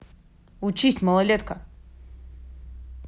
учись малолетка